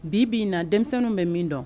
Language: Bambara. Bi bi in na denmisɛnninw bɛ min dɔn